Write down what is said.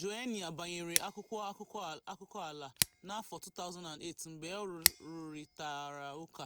Joênia banyere akwụkwọ akụkọala n'afọ 2008 mgbe ọ rụrịtaraụka